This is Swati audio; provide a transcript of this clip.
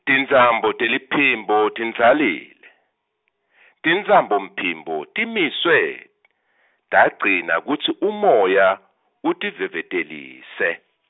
tintsambo teliphimbo tintsalile, Tintsambophimbo timiswe , tacina kutsi umoya utivevetelisa.